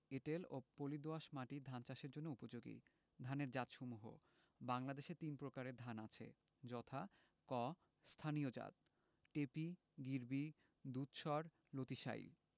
এঁটেল ও পলি দোআঁশ মাটি ধান চাষের জন্য উপযোগী ধানের জাতসমূহঃ বাংলাদেশে তিন প্রকারের ধান আছে যথাঃ ক স্থানীয় জাতঃ টেপি গিরবি দুধসর লতিশাইল